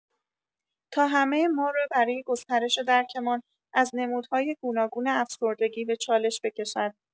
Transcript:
تا همه ما را برای گسترش درکمان از نمودهای گوناگون افسردگی به چالش بکشد.